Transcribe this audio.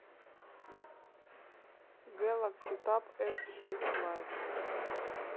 гэлакси таб эс шесть лайт